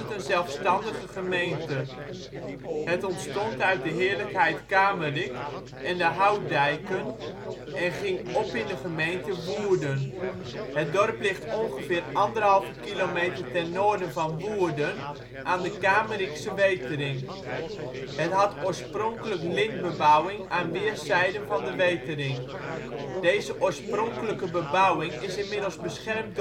een zelfstandige gemeente. Het ontstond uit Heerlijkheid Kamerik en de Houtdijken en ging op in de gemeente Woerden. Het dorp ligt ongeveer 1,5 km ten noorden van Woerden aan de Kamerikse Wetering. Het had oorspronkelijk lintbebouwing aan weerszijden van de Wetering. Deze oorspronkelijke bebouwing is inmiddels beschermd dorpsgezicht